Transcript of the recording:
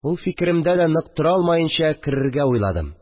Ул фикеремдә дә нык тора алмаенча, керергә уйладым